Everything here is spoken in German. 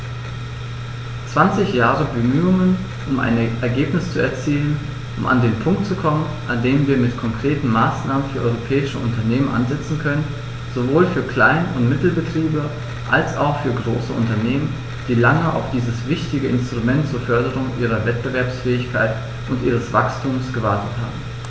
Zwanzig Jahre Bemühungen, um ein Ergebnis zu erzielen, um an den Punkt zu kommen, an dem wir mit konkreten Maßnahmen für europäische Unternehmen ansetzen können, sowohl für Klein- und Mittelbetriebe als auch für große Unternehmen, die lange auf dieses wichtige Instrument zur Förderung ihrer Wettbewerbsfähigkeit und ihres Wachstums gewartet haben.